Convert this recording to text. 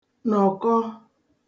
nọ̀kọ